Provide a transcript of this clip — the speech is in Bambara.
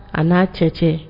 A n'a cɛ cɛ